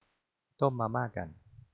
ต้มมาม่ากัน